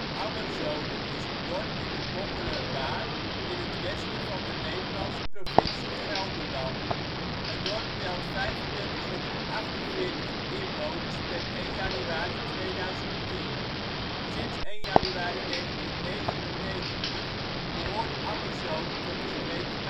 Ammerzoden is een dorp in de Bommelerwaard, in het westen van de Nederlandse provincie Gelderland. Het dorp telt 3548 inwoners (per 1 januari 2010). Sinds 1 januari 1999 behoort Ammerzoden tot de gemeente